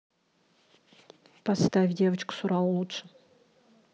поставь девочку с урала лучше